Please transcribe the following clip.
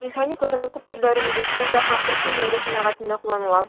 Лишайникларның күп төрләре медицинада һәм парфюмерия сәнәгатендә кулланыла.